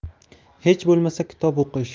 hech bo'lmasa kitob o'qish